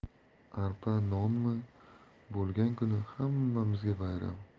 arpa nonmi bo'lgan kuni hammamizga bayram